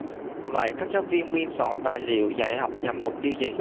vậy các giáo viên biên soạn tài liệu dạy học nhằm mục tiêu gì